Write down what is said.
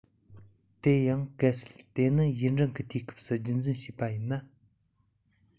དེ ཡང གལ སྲིད དེ ནི ཡུན རིང གི དུས སྐབས སུ རྒྱུད འཛིན བྱས པ ཡིན ན